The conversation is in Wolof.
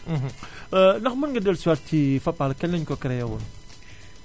ndax mën nga dellu si waat si Fatal kañ lañu ko créé woon